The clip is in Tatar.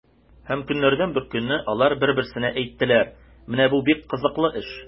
Һәм көннәрдән бер көнне алар бер-берсенә әйттеләр: “Менә бу бик кызыклы эш!”